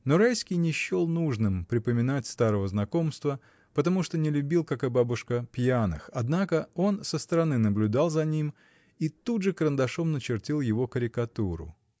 Но Райский не счел нужным припоминать старого знакомства, потому что не любил, как и бабушка, пьяных, однако он со стороны наблюдал за ним и тут же карандашом начертил его карикатуру.